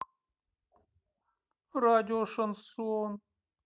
радио шансон